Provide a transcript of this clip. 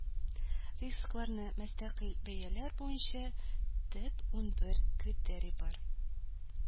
Рискларны мөстәкыйль бәяләү буенча төп унбер критерий бар